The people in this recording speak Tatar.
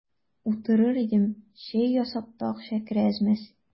Утырыр идем, чәч ясап та акча керә әз-мәз.